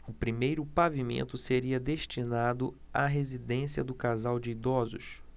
o primeiro pavimento seria destinado à residência do casal de idosos